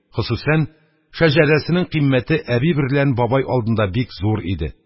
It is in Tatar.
Хосусән шәҗәрәнең кыйммәте әби берлән бабай алдында бик зур иде.